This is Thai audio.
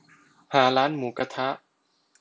หาร้านหมูกระทะ